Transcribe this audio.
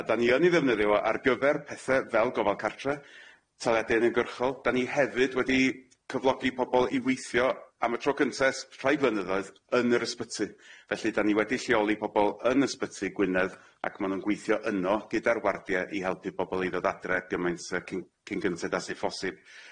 A dan ni yn ei ddefnyddio ar gyfer pethe fel gofal cartre, taliadu unigyrchol. Dan ni hefyd wedi cyflogi pobol i weithio am y tro cynta s- rhai flynyddoedd yn yr ysbyty felly dan ni wedi lleoli pobol yn ysbyty Gwynedd ac ma' nw'n gweithio yno gyda'r wardie i helpu pobol i ddod adre gymaint yy cyn cyn gynted a sy' ffosib.